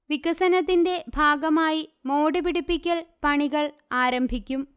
വികസനത്തിന്റെ ഭാഗമായി മോടി പിടിപ്പിക്കൽ പണികൾ ആരംഭിക്കും